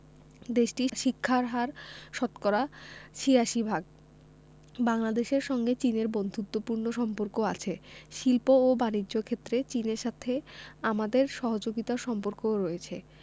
দেশটির শিক্ষার হার শতকরা ৮৬ ভাগ বাংলাদেশের সঙ্গে চীনের বন্ধুত্বপূর্ণ সম্পর্ক আছে শিল্প ও বানিজ্য ক্ষেত্রে চীনের সাথে আমাদের সহযোগিতার সম্পর্কও রয়েছে